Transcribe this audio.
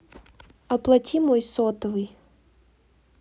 оплати мой сотовый